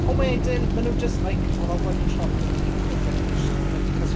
Ond wedyn, ma' nhw jyst like, oh that one shot o nhw neithiwr lle o'n nhw'n eist- yn cysgu...